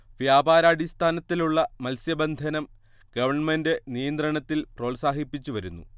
വ്യാപാരാടിസ്ഥാനത്തിലുള്ള മത്സ്യബന്ധനം ഗണ്മെന്റു നിയന്ത്രണത്തിൽ പ്രോത്സാഹിപ്പിച്ചു വരുന്നു